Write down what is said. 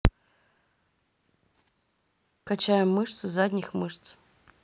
качаем мышцы задних мышц